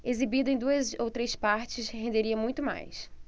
exibida em duas ou três partes renderia muito mais